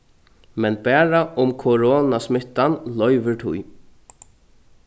men bara um koronasmittan loyvir tí